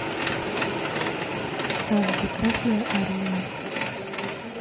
танки красная армия